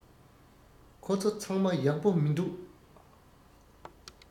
ཁོ ཚོ ཚང མ ཡག པོ མི འདུག